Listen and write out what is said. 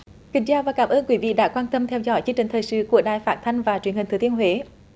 kính chào và cảm ơn quý vị đã quan tâm theo dõi chương trình thời sự của đài phát thanh và truyền hình thừa thiên huế